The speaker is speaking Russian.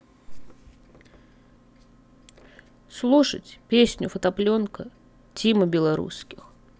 слушать песню фотопленка тима белорусских